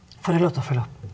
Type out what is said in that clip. får jeg lov til å følge opp?